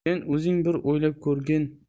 sen o'zing bir o'ylab ko'rgin